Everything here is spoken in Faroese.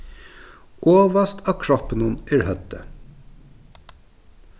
ovast á kroppinum er høvdið